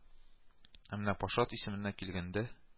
Ә менә Пашат исеменә килгәндә